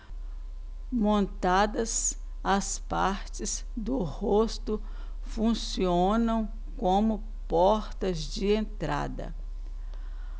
montadas as partes do rosto funcionam como portas de entrada